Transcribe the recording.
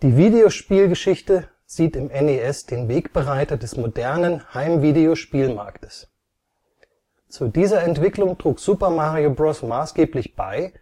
Videospielgeschichte sieht im NES den Wegbereiter des modernen Heimvideospielmarktes. Zu dieser Entwicklung trug Super Mario Bros. maßgeblich bei